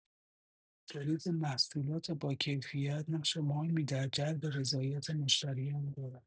تولید محصولات باکیفیت، نقش مهمی در جلب رضایت مشتریان دارد.